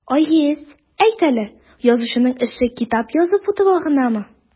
Айгиз, әйт әле, язучының эше китап язып утыру гынамы?